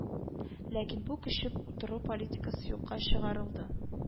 Ләкин бу күчеп утыру политикасы юкка чыгарылды